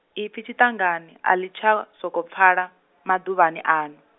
ipfi tshiṱangani, a ḽi tsha, sokou pfala, maḓuvhani ano.